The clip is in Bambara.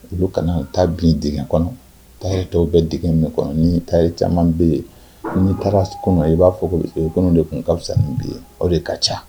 Olu kana taa bin diŋɛ kɔnɔ tailleur tɔw bɛɛ diŋɛ min kɔnɔ ni tailleur caman be ye n'i taara s kunun i b'a fɔ ko b ee kunun de tun ka fisa ni bi ye o de ka ca